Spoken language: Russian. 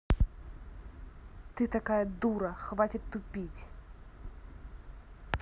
ты такая дура хватит тупить